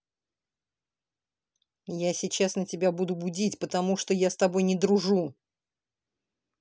я сейчас на тебя буду будить потому что я с тобой не дружу